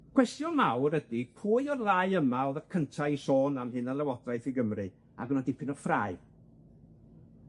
Cwestiwn mawr yd' pwy o'r ddau yma o'dd y cynta i sôn am hunan-lywodraeth i Gymru, ac o' 'na dipyn o ffrae.